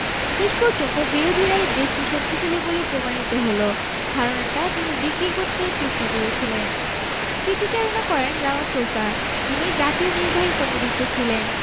শেষ পর্যন্ত বিরোধীরাই বেশি শক্তিশালী বলে প্রমাণিত হন ধারণাটা তিনি বিক্রি করতে চেষ্টা করেছিলেন স্মৃতিচারণা করেন রামাফ্রোসা যিনি জাতীয় নির্বাহী কমিটিতে ছিলেন